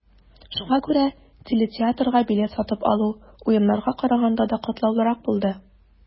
Шуңа күрә телетеатрга билет сатып алу, Уеннарга караганда да катлаулырак булды.